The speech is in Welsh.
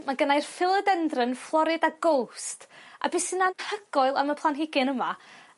ma' gynnai'r philodendron Florida ghost a be' sy'n anhygoel am y planhigyn yma